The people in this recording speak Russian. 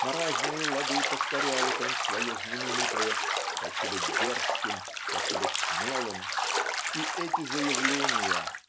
На разные лады повторяет он свое знаменитое "хочу быть дерзким хочу быть смелым" и эти заявления